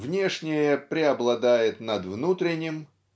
Внешнее преобладает над внутренним